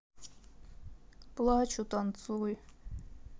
плачу танцуй